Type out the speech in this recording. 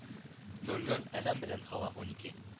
Ноль ноль адәм белән һава унике